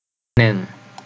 หนึ่ง